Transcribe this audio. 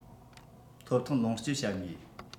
ཐོབ ཐང ལོངས སྤྱོད བྱ དགོས